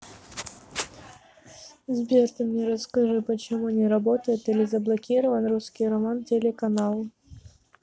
сбер ты мне расскажи почему не работает или заблокирован русский роман телеканал